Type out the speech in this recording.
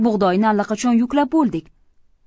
bug'doyni allaqachon yuklab bo'ldik